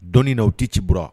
Dɔɔninni naaw tɛ ci bɔra